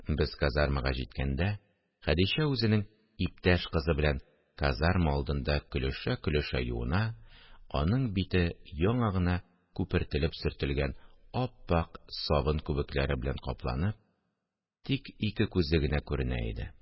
Без казармага җиткәндә, Хәдичә үзенең иптәш кызы белән казарма алдында көлешә-көлешә юына, аның бите яңа гына күпертелеп сөртелгән ап-ак сабын күбекләре белән капланып, тик ике күзе генә күренә иде